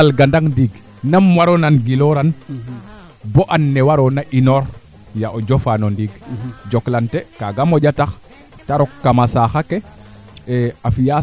a yanga laano laana xalatoona ye ndiik naak ke mbi tino yeng o bug kaa ta so bug na areer fa kaana